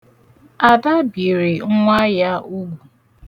Ada biri nwa ya ugwu.